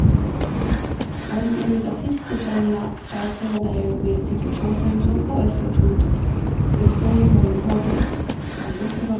komin inn í ta fyrstu gjónna treiv ferðaleiðarin í at syngja tjóðsangin og øll tóku undir vit føroyingar eru hopleysir tá vit uppliva